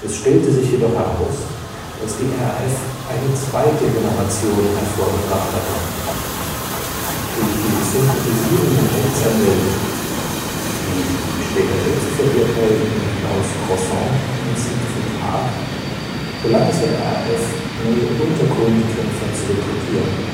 stellte sich jedoch heraus, dass die RAF eine zweite Generation hervorgebracht hatte. Durch die sympathisierenden Rechtsanwälte, wie die später selbst verurteilten Klaus Croissant und Siegfried Haag, gelang es der RAF, neue Untergrundkämpfer zu rekrutieren